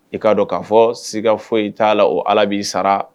I k'a dɔn ka'a fɔ sika foyi i t'a la o ala b'i sara